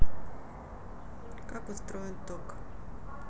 как устроен ток